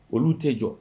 Olu tɛ jɔ